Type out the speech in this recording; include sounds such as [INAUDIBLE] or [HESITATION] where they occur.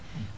[HESITATION]